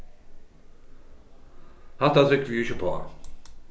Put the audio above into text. hatta trúgvi eg ikki uppá